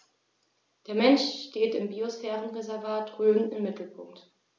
Der Mensch steht im Biosphärenreservat Rhön im Mittelpunkt.